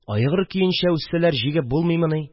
Айгыр көенчә үссәләр җигеп булмыймыни